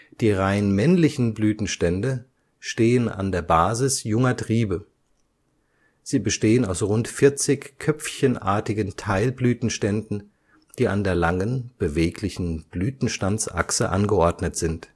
Die rein männlichen Blütenstände stehen an der Basis junger Triebe. Sie bestehen aus rund 40 köpfchenartigen Teilblütenständen, die an der langen, beweglichen Blütenstandsachse angeordnet sind